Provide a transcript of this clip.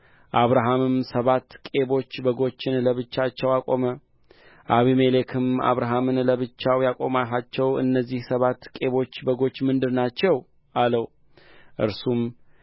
አብርሃምም ሰባት ቄቦች በጎችን ለብቻቸው አቆመ አቢሜሌክም አብርሃምን ለብቻቸው ያቆምሃቸው እነዚህ ሰባት ቄቦች በጎች ምንድን ናቸው አለው እርሱም